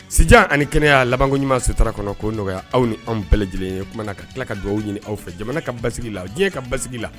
Sijan ani kɛnɛya labankoɲuman sutura kɔnɔ ko nɔgɔya aw ni anw bɛɛ lajɛlen ye. O tumana ka tila ka dugawu aw ɲini aw fɛ jamana ka basi la, diɲɛ ka basi la.